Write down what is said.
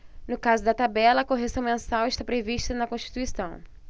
no caso da tabela a correção mensal está prevista na constituição